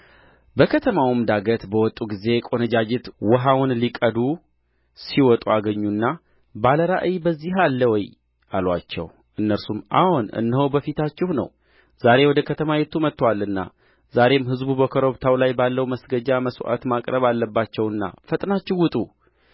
በከተማይቱም ዳገት በወጡ ጊዜ ቆነጃጅት ውኃውን ሊቀዱ ሲወጡ አገኙና ባለ ራእይ በዚህ አለ ወይ አሉአቸው እነርሱም አዎን እነሆ በፊታችሁ ነው ዛሬ ወደ ከተማይቱ መጥቶአልና ዛሬም ሕዝቡ በኮረብታው ላይ ባለው መስገጃ መሥዋዕት ማቅረብ አለባቸውና ፈጥናችሁ ውጡ